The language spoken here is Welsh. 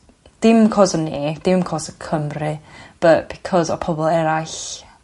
Dim 'c'os o ni dim 'c'os y Cymry bu' because o pobol eraill.